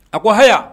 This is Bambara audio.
A ko haya